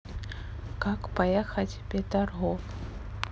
как поехать в петергоф